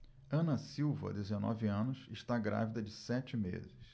ana silva dezenove anos está grávida de sete meses